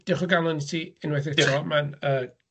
###diolch o galon i ti unwaith eto. Ma'n yy